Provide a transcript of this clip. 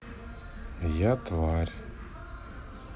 я тварь